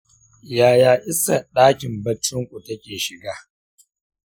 yaya iskar ɗakin barcinku take shiga?